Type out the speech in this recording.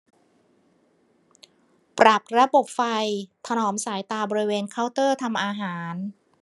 ปรับระบบไฟถนอมสายตาบริเวณเคาน์เตอร์ทำอาหาร